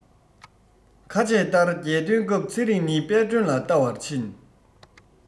ཁ ཆད ལྟར རྒྱལ སྟོན སྐབས ཚེ རིང ནི དཔལ སྒྲོན ལ བལྟ བར ཕྱིན